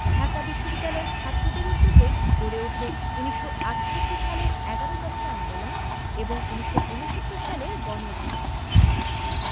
ঢাকা বিশ্ববিদ্যালয়ের ছাত্রদের উদ্যোগেই গড়ে উঠে ১৯৬৮ সালের এগারো দফা আন্দোলন এবং ১৯৬৯ সালের গণঅভ্যুত্থান